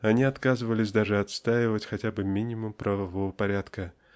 Они отказывались даже отстаивать хотя бы минимум правового порядка